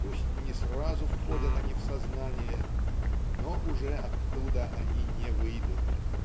пусть не сразу входят они в сознание, - но уже оттуда они не выйдут.